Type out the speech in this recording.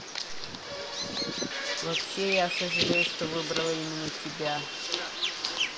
вообще я сожалею что выбрала именно тебя